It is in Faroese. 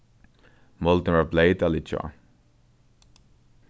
moldin var bleyt at liggja á